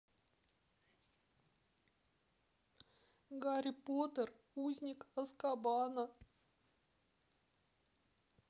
гарри поттер узник азкабана